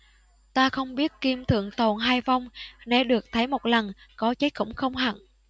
ta không biết kim thượng tồn hay vong nếu được thấy một lần có chết cũng không hận